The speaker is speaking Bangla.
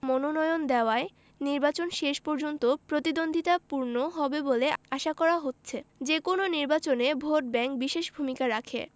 মনোনয়ন দেওয়ায় নির্বাচন শেষ পর্যন্ত প্রতিদ্বন্দ্বিতাপূর্ণ হবে বলে আশা করা হচ্ছে যেকোনো নির্বাচনে ভোটব্যাংক বিশেষ ভূমিকা রাখে